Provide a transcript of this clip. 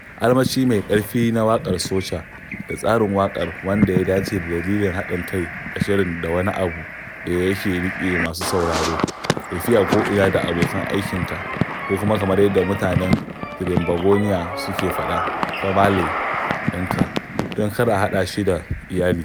armashi mai "ƙarfi na waƙar soca" da tsarin waƙar wanda ya dace da dalilin haɗin kai a shirin da wani abu da yake riƙe masu sauraro - tafiya ko'ina da abokan aikinka, ko kuma kamar yadda mutanen Tirinbagoniya suke faɗa, "famalay" ɗinka (don kar a haɗa shi da "iyali"):